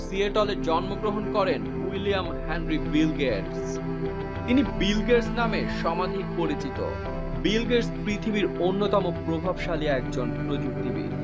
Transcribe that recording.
সিয়েটলে জন্মগ্রহণ করেন William Henry Bill Gate তিনি বিল গেটস নামে সমাধিক পরিচিত বিল গেটস পৃথিবীর অন্যতম প্রভাবশালী একজন প্রযুক্তিবিদ